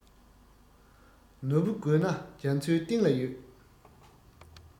ནོར བུ དགོས ན རྒྱ མཚོའི གཏིང ལ ཡོད